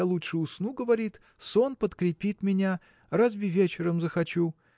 я лучше усну, говорит: сон подкрепит меня разве вечером захочу.